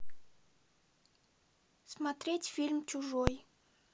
смотреть фильм чужой